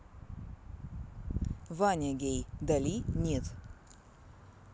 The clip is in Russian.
ваня гей дали нет